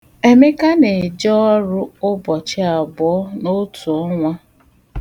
Emeka na-eje ọrụ ụbọchị abụọ n'otu ọnwa.